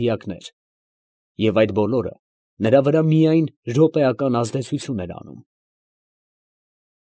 Դիակներ, և այդ բոլորը նրա վրա միայն րոպեական ազդեցություն էր անում։